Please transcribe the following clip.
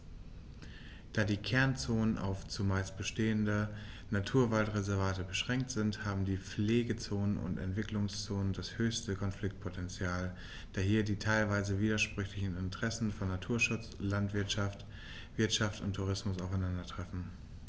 Da die Kernzonen auf – zumeist bestehende – Naturwaldreservate beschränkt sind, haben die Pflegezonen und Entwicklungszonen das höchste Konfliktpotential, da hier die teilweise widersprüchlichen Interessen von Naturschutz und Landwirtschaft, Wirtschaft und Tourismus aufeinandertreffen.